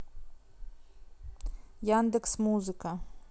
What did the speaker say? яндекс музыка